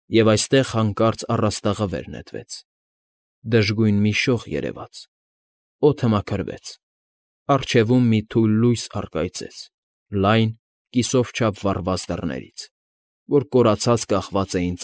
Եվ այստեղ հանկարծ առաստաղը վեր նետվեց, դժգույն մի շող երևաց, օդը մաքրվեց, առջևում մի թույլ լույս առկայծեց լայն, կիսով չափ վառված դռներից, որ կորացած կախված էին։